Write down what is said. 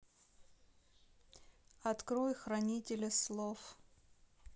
открой хранители слов